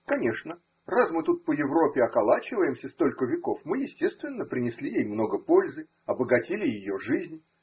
Конечно, раз мы тут по Европе околачиваемся столько веков, мы естественно принесли ей много пользы, обогатили ее жизнь